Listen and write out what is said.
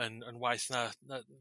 yn yn waeth na na